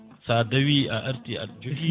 sa dawi a arti aɗa jogui